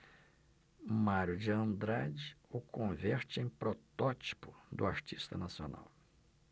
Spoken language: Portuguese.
mário de andrade o converte em protótipo do artista nacional